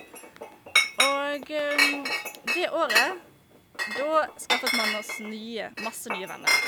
Og det året, da skaffet man oss nye masse nye venner.